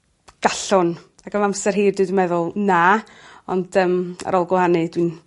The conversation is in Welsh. Gallwn ag am amser hir dwi 'di meddwl na ond yym ar ôl gwa'nu dwi'n